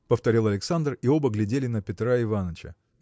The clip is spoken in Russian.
– повторил Александр, и оба глядели на Петра Иваныча.